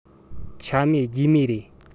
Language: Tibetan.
ཆ མེད རྒྱུས མེད རེད